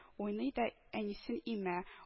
Уйный да әнисен имә